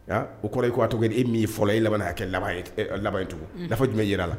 O kɔrɔ ye ko aa tɔgɔ e min i fɔlɔ e laban' kɛ labanyi tugun dafa jumɛn bɛ jira la